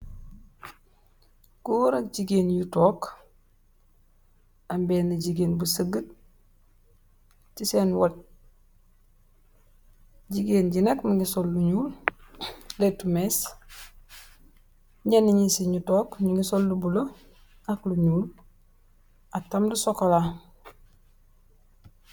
Goor ak jigeen yu tokk am bena jigéen bu sega ci seen wett jigeen gi nak mogi sol lu nuul letu mees nyena si nu tokk nu ngi sol lu bulo ak lu nuul ak tam lu sokola.